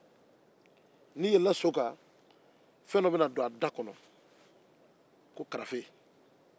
o karafe in bɛ dila